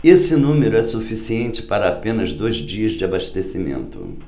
esse número é suficiente para apenas dois dias de abastecimento